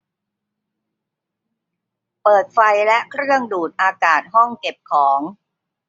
เปิดไฟและเครื่องดูดอากาศห้องเก็บของ